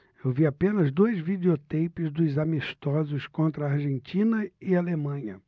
eu vi apenas dois videoteipes dos amistosos contra argentina e alemanha